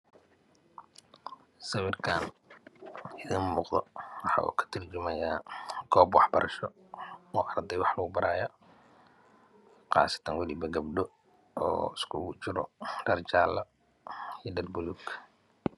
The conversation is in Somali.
Sawarkan idin muuqdo waxow katurjimayaa goob wax barasho oo arday wax lagu barayo qasatan gabdho iskugu jira dhar jale iyo baluug